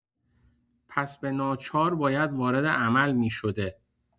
پس به‌ناچار باید وارد عمل می‌شده.